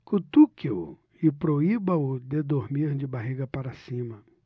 cutuque-o e proíba-o de dormir de barriga para cima